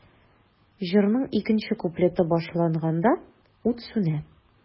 Җырның икенче куплеты башланганда, ут сүнә.